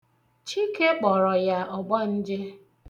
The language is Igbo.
Chike kpọrọ ya ọgbanje.